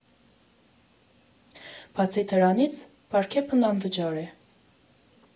Բացի դրանից Բարքեմփն անվճար է։